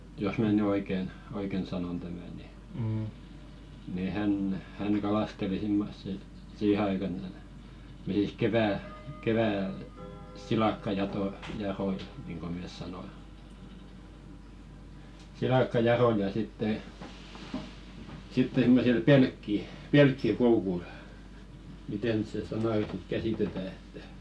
jos minä nyt oikein oikein sanon tämän niin niin hän hän kalasteli semmoisia siihen aikaan me niitä - keväällä - silakkajatoja niin kuin me sanoimme silakkajatoja sitten sitten kun me sillä - pelkkikoukulla miten nyt se sana nyt sitten käsitetään että